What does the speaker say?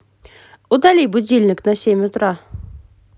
удали будильник на семь утра